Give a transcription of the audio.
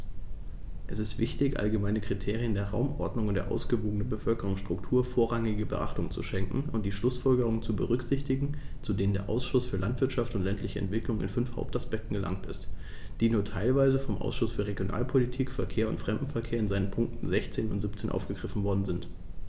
Es ist wichtig, allgemeinen Kriterien der Raumordnung und der ausgewogenen Bevölkerungsstruktur vorrangige Beachtung zu schenken und die Schlußfolgerungen zu berücksichtigen, zu denen der Ausschuss für Landwirtschaft und ländliche Entwicklung in fünf Hauptaspekten gelangt ist, die nur teilweise vom Ausschuss für Regionalpolitik, Verkehr und Fremdenverkehr in seinen Punkten 16 und 17 aufgegriffen worden sind.